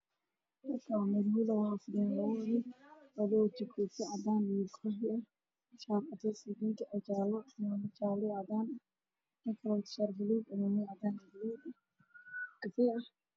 Waa niman odayaal oo fadhiso